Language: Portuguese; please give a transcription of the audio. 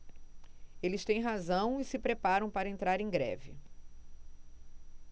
eles têm razão e se preparam para entrar em greve